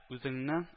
Үзеңне